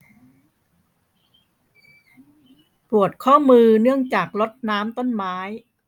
ปวดข้อมือเนื่องจากรดน้ำต้นไม้